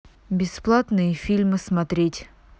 бесплатные фильмы смотреть